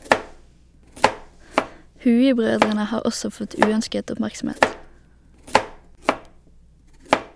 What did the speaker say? Hui-brødrene har også fått uønsket oppmerksomhet.